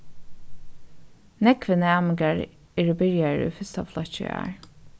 nógvir næmingar eru byrjaðir í fyrsta flokki í ár